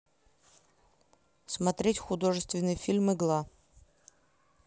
смотреть художественный фильм игла